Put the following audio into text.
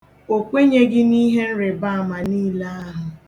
O kwenyeghi n'ihe nrịbaama niile ahụ.